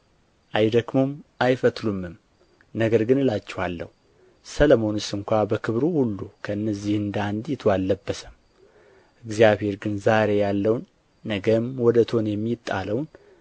አይደክሙም አይፈትሉምም ነገር ግን እላችኋለሁ ሰሎሞንስ እንኳ በክብሩ ሁሉ ከእነዚህ እንደ አንዲቱ አለበሰም እግዚአብሔር ግን ዛሬ ያለውን ነገም ወደ እቶን የሚጣለውን